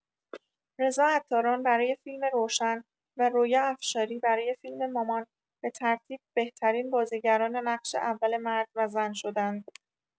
رضا عطاران برای فیلم روشن، و رویا افشاری برای فیلم مامان، به ترتیب بهترین بازیگران نقش اول مرد و زن شدند.